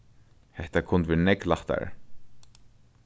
hetta kundi verið nógv lættari